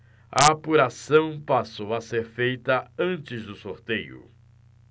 a apuração passou a ser feita antes do sorteio